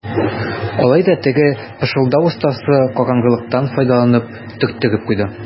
Алай да теге пышылдау остасы караңгылыктан файдаланып төрттереп куйды.